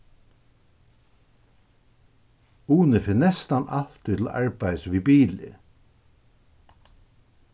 uni fer næstan altíð til arbeiðis við bili